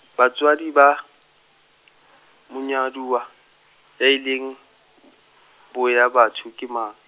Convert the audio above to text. batswadi ba , monyaduwa, ya ileng, boya batho ke mang?